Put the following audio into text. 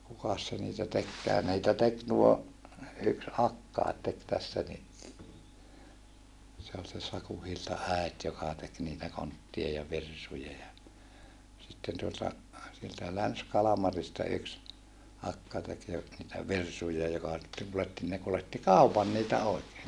kukas se niitä tekikään niitä teki tuo yksi akkakin teki tässä niin se oli se Sakun Hiltan äiti joka teki niitä kontteja ja virsuja ja sitten tuota sieltä Länsi-Kalmarista yksi akka teki jo niitä virsuja joka sitten kuljetti ne kuljetti kaupan niitä oikein